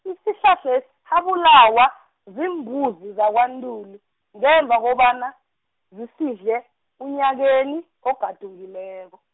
isihlahlesi sabulawa, ziimbuzi zakwaNtuli, ngemva kobana, zisidle, unyakeni, ogadungileko.